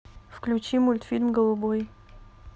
включи мультфильм голубой